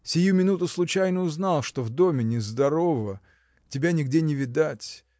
Сию минуту случайно узнал, что в доме нездорово, тебя нигде не видать.